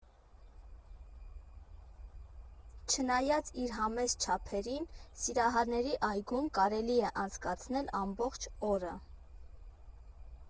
Չնայած իր համեստ չափերին, Սիրահարների այգում կարելի է անցկացնել ամբողջ օրը։